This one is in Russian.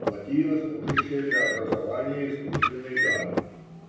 Плотина, служащая для образования искусственной гавани.